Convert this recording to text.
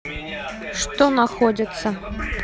что находится